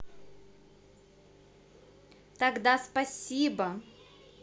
тогда спасибо